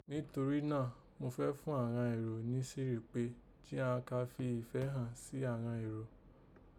Nítorí náà, mo fẹ́ fún àghan èrò nísìírí kpé jí ghan ká fi ìfẹ́ han sí àghan èrò